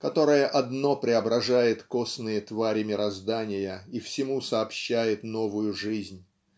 которое одно преображает косные твари мироздания и всему сообщает живую жизнь.